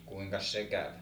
kuinkas se kävi